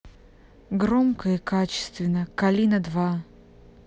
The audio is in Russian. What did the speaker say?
громко и качественно калина два